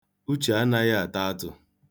Uche anaghị ata atụ.